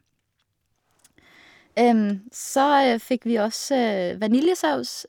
Så fikk vi også vaniljesaus.